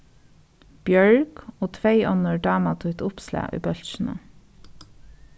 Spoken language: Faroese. bjørg og tvey onnur dáma títt uppslag í bólkinum